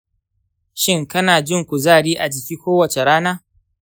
shin, kana jin kuzari a jiki kowace rana?